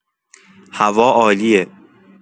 هوا عالیه!